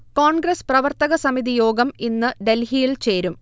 കോൺഗ്രസ് പ്രവർത്തക സമിതി യോഗം ഇന്ന് ഡൽഹിയിൽ ചേരും